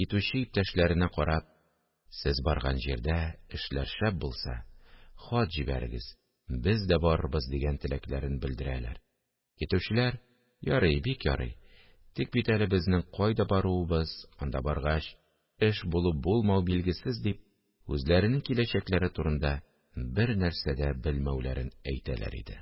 Китүче иптәшләренә карап: – сез барган җирдә эшләр шәп булса, хат җибәрегез, без дә барырбыз, – дигән теләкләрен белдерәләр, китүчеләр: – ярый, бик ярый! тик бит әле безнең кайда баруыбыз, анда баргач, эш булу-булмау билгесез, – дип, үзләренең киләчәкләре турында бернәрсә дә белмәүләрен әйтәләр иде